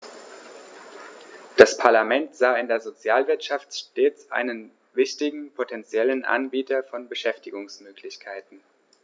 Das Parlament sah in der Sozialwirtschaft stets einen wichtigen potentiellen Anbieter von Beschäftigungsmöglichkeiten.